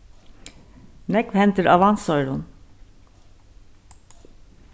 nógv hendir á vatnsoyrum